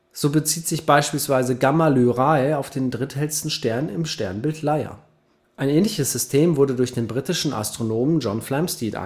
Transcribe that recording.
so bezieht sich beispielsweise γ Lyrae auf den dritthellsten Stern im Sternbild Leier. Ein ähnliches System wurde durch den britischen Astronomen John Flamsteed